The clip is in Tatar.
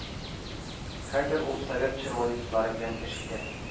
Хәзер ул совет червонецлары белән эш итә